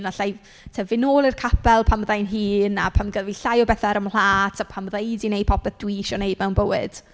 Alla i tyfu'n ôl i'r capel pan fydda' i'n hŷn, a pan gaf fi llai o bethe ar 'y mhlât, a pan bydda i wneud popeth dwi isio wneud mewn bywyd.